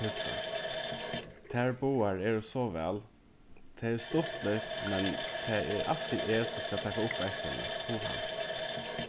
pissa tær báðar eru so væl tað er stuttligt men tað er altíð eg sum skal taka upp eftir henni puha